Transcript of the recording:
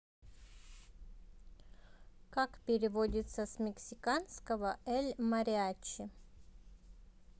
как переводится с мексиканского эль мариачи